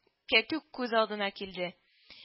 Кәтүк күз алдына килде